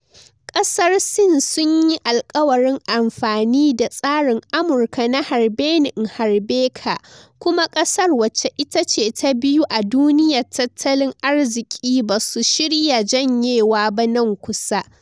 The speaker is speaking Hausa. Kasar Sin sunyi alkawarin amfani da tsarin Amurka na harbe ni-in harbe ka, kuma kasar wace itace to biyu a duniyan tatalin arziki ba su shirya jenyewa ba nan kusa.